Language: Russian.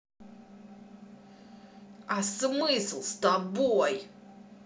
а смысл с тобой